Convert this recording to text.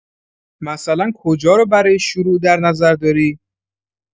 مثلا کجا رو برای شروع در نظر داری؟